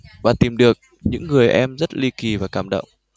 bà tìm được những người em rất ly kỳ và cảm động